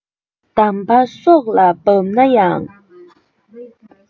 དམ པ སྲོག ལ བབས ན ཡང